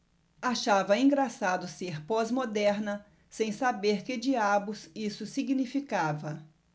achava engraçado ser pós-moderna sem saber que diabos isso significava